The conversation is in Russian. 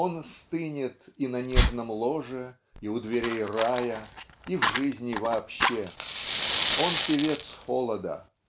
он стынет и на нежном ложе, и у дверей рая, и в жизни вообще. Он -- певец холода